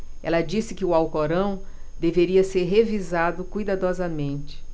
ela disse que o alcorão deveria ser revisado cuidadosamente